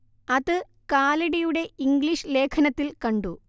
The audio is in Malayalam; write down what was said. അത് കാലടിയുടെ ഇംഗ്ലീഷ് ലേഖനത്തിൽ കണ്ടു